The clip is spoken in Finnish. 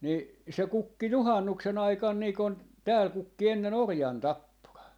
niin se kukki juhannuksen aikana niin kun täällä kukki ennen - orjantappura